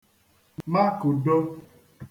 makùdo